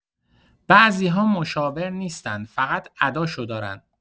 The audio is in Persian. بعضی‌ها مشاور نیستن فقط اداشو دارن